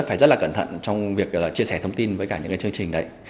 phải rất cẩn thận trong việc chia sẻ thông tin với cả những cái chương trình đấy